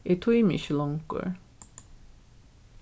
eg tími ikki longur